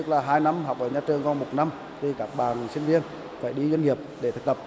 là hai năm học ở nhà trường còn một năm thì các bạn sinh viên phải đi doanh nghiệp để thực tập